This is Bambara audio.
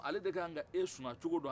ale de kan k'e suman cogo don